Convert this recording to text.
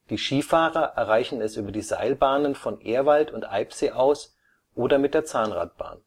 Skifahrer erreichen es über die Seilbahnen von Ehrwald und Eibsee aus oder mit der Zahnradbahn